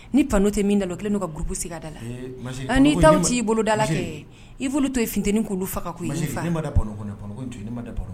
Ni pan tɛ min n' ka kulu ka da la' da t ii bolo da i bolo to i fitinin' fa